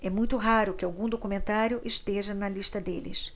é muito raro que algum documentário esteja na lista deles